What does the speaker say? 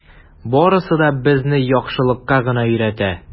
Барысы да безне яхшылыкка гына өйрәтә.